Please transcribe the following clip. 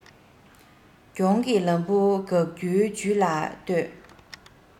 གྱོང གི ལམ བུ དགག རྒྱུའི བྱུས ལ ལྟོས